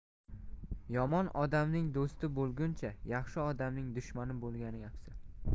yomon odamning do'sti bo'lguncha yaxshi odamning dushmani bo'lgan afzal